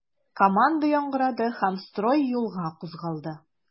Команда яңгырады һәм строй юлга кузгалды.